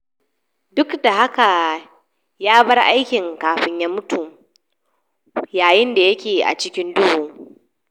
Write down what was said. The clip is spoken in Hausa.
Duk da haka, ya bar aikin kafin ya mutu, yayin da yake "a cikin duhu."